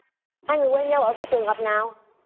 hai người quen nhau ở cái trường hợp nào